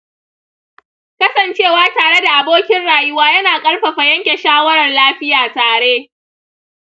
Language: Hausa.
kasancewa tare da abokin rayuwa yana ƙarfafa yanke shawarar lafiya tare.